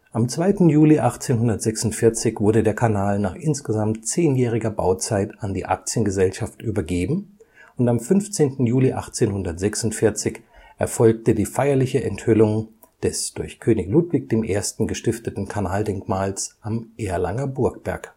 Am 2. Juli 1846 wurde der Kanal nach insgesamt 10-jähriger Bauzeit an die Aktiengesellschaft übergeben und am 15. Juli 1846 erfolgte die feierliche Enthüllung des durch König Ludwig I. gestifteten Kanaldenkmals am Erlanger Burgberg